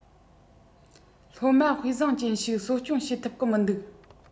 སློབ མ དཔེ བཟང ཅན ཞིག གསོ སྐྱོངས བྱེད ཐུབ གི མི འདུག